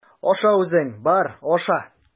Аша үзең, бар, аша!